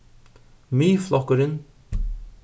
miðflokkurin